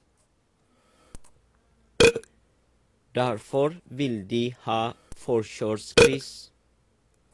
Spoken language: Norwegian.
Derfor vil de ha forkjørskryss.